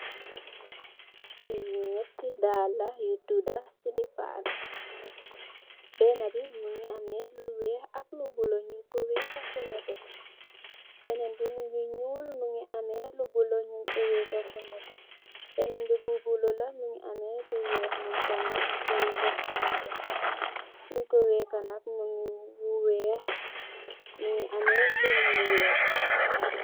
Ñenti dalla yu tudda silipàs benna bi mugii ameh lu wèèx ak lu bula ñing ko wéka fu netteh, benen bi ñuul mugii ameh lu bula ñing ko wéka fu netteh, benen bu bula la mugii ameh lu wèèx mom tam ñing ko wéka fu netteh.